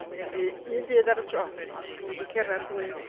Gwynebu {un|1) dydd ar y tro. Ond dwi 'di cerddad fwy...